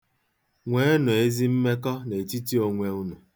Nwee nụ ezi mmekọ n'etiti onwe unu.